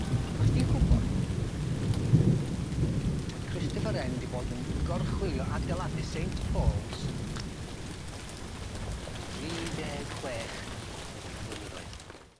Oddach sdi'n gwbod, fod Christopher Wren 'di bod yn gorchwylio adeladu Saint Paul's am dri deg chwech o flynyddoedd.